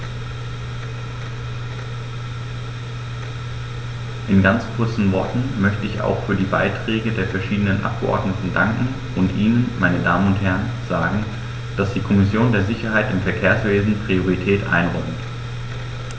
In ganz kurzen Worten möchte ich auch für die Beiträge der verschiedenen Abgeordneten danken und Ihnen, meine Damen und Herren, sagen, dass die Kommission der Sicherheit im Verkehrswesen Priorität einräumt.